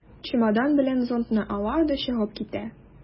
Чемодан белән зонтны ала да чыгып китә.